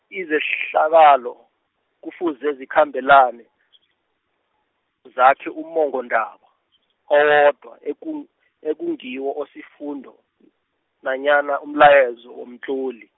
izehlakalo, kufuze zikhambelane , zakhe ummongondaba , owodwa, eku- ekungiwo osifundo, n- nanyana umlayezo womtloli.